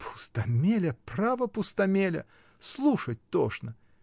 — Пустомеля, право, пустомеля: слушать тошно!